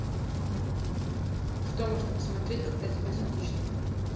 что можно посмотреть когда тебе скучно